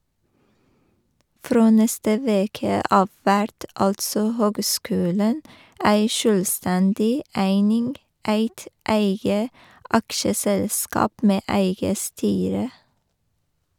Frå neste veke av vert altså høgskulen ei sjølvstendig eining , eit eige aksjeselskap med eige styre.